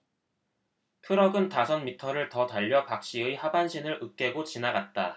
트럭은 다섯 미터를 더 달려 박씨의 하반신을 으깨고 지나갔다